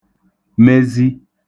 mezi